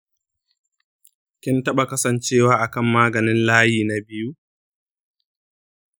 kin taɓa kasancewa a kan maganin layi na biyu?